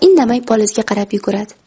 indamay polizga qarab yuguradi